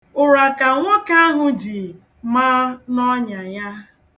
Ụra ka nwoke ahụ ji ma n'ọnya ya.